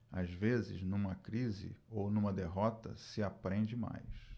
às vezes numa crise ou numa derrota se aprende mais